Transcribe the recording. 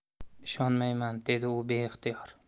ishonmayman dedi u beixtiyor